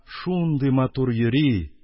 Шундый матур йөри,